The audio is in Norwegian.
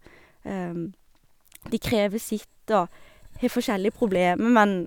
De krever sitt og har forskjellige problemer, men...